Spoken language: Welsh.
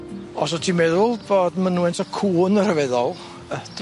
Os wt ti'n meddwl bod mynwent y cŵn y' rhyfeddol yy